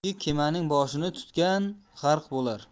ikki kemaning boshini tutgan g'arq bo'lar